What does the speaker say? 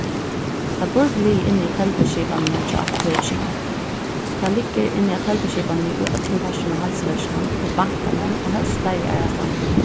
tað burdi ligið inni í telduskipanini hjá apotekinum tað liggur inni á telduskipanini í øllum partum av heilsuverkinum í bankanum og helst fleiri aðrastaðni við